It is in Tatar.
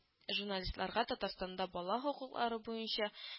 Журналистларга татарстанда бала хокуклары буенча